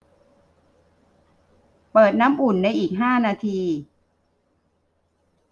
เปิดน้ำอุ่นในอีกห้านาที